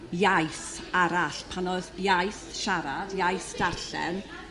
iaith arall pan o'dd iaith siarad iaith darllen